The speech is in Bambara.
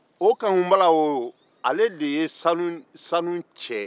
o kankun bala wo ale de ye sanu sanu cɛ